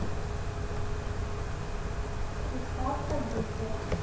приставка битвы